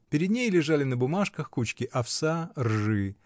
Перед ней лежали на бумажках кучки овса, ржи.